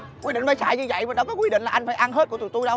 quy định nó dạy như vậy mà đâu có quy định là anh phải ăn hết của tụi tui đâu